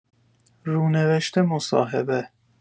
رونوشت مصاحبه